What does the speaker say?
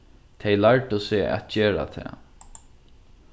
tey lærdu seg at gera tað